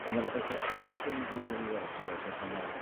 A ma' 'na betha cry 'dan ni ddim yn 'i weld yn does